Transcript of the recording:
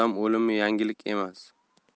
odam o'limi yangilik emas